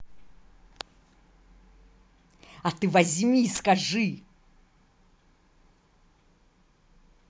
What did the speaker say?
а ты возьми и скажи